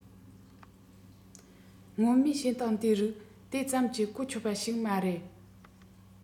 སྔོན མའི བྱེད སྟངས དེ རིགས དེ ཙམ གྱིས གོ ཆོད པ ཞིག མ རེད